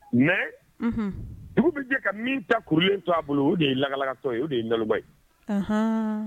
Mais dugu bɛ jɛ ka min ta kurulen to a bolo o de ye laka lakatɔ ye o de ye naloman ye.